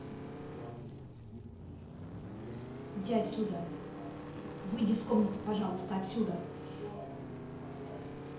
иди отсюда выйди из комнаты пожалуйста отсюда